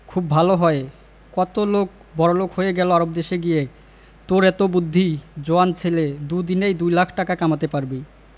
খুব ভালো হয় কত লোক বড়লোক হয়ে গেল আরব দেশে গিয়ে তোর এত বুদ্ধি জোয়ান ছেলে দুদিনেই দু লাখ টাকা জমাতে পারবি